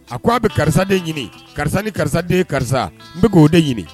A k ko' a bɛ karisa den ɲini karisa ni karisa den ye karisa n bɛ k' oo de ɲini